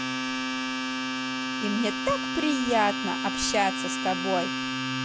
и мне так приятно общаться с тобой